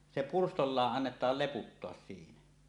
se pyrstöllään annetaan leputtaa siinä